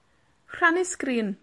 Rhannu sgrin.